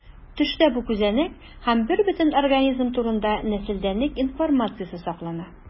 Төштә бу күзәнәк һәм бербөтен организм турында нәселдәнлек информациясе саклана.